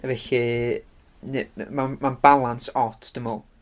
Felly, n- ma' ma'n balans od, dwi'n meddwl.